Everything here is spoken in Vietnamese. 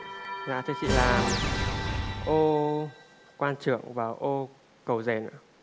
dạ thưa chị là ô quan chưởng vào ô cầu dền ạ